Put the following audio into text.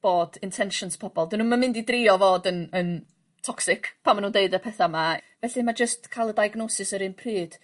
bod intentions pobol 'dyn nw'm yn mynd i drio fod yn yn toxic pan ma' nw'n deud y petha 'ma felly ma' jyst ca'l y diagnosis* yr un pryd